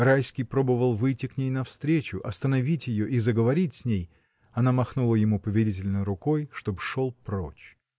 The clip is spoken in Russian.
Райский пробовал выйти к ней навстречу, остановить ее и заговорить с ней, она махнула ему повелительно рукой, чтоб шел прочь.